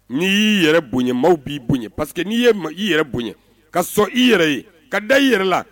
N'i y'i yɛrɛ bonya maaw b'i bonya parce que n'i ye i yɛrɛ bonya ka sɔn i yɛrɛ ye ka da i yɛrɛ la